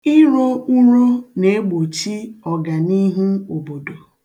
Iro uro na-egbochi ọganiihu obodo.